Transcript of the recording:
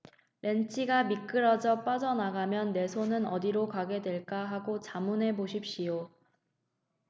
렌치가 미끄러져 빠져나가면 내 손은 어디로 가게 될까 하고 자문해 보십시오